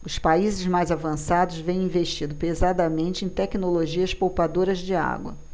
os países mais avançados vêm investindo pesadamente em tecnologias poupadoras de água